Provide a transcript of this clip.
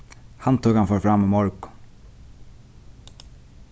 handtøkan fór fram í morgun